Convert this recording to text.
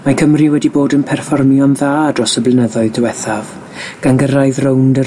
Mae Cymru wedi bod yn perfformio'n dda dros y blynyddoedd diwethaf, gan gyrraedd rownd yr